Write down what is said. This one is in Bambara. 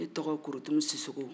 ne tɔgɔ ye korotumu sisoko